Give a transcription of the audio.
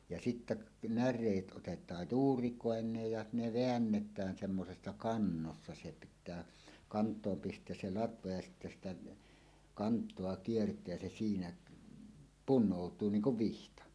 ja sitten näreet otetaan juurikoineen ja ne väännetään semmoisessa kannossa se pitää kantoon pistää se latva ja sitten sitä kantoa kiertää se siinä punoutuu niin kuin vihta